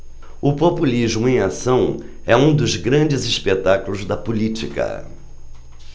o populismo em ação é um dos grandes espetáculos da política